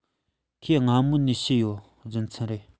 ཁོས སྔ མོ ནས ཤེས ཡོད རྒྱུ མཚན རེད